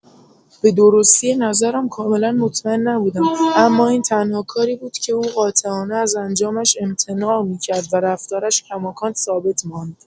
به‌درستی نظرم کاملا مطمئن نبودم اما این تنها کاری بود که او قاطعانه از انجامش امتناع می‌کرد و رفتارش کماکان ثابت ماند.